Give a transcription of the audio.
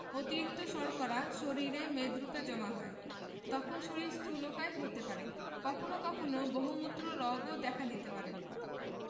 অতিরিক্ত শর্করা শরীরে মেদরুপে জমা হয় তখন শরীর স্থুলকায় হতে পারে কখনো কখনো বহুমূত্র রগও দেখা দিতে পারে